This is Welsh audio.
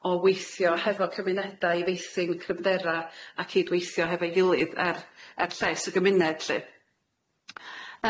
o weithio hefo cymunedau i feithrin cryfdera a cyd-weithio hefo'i gilydd er er lles y gymuned lly.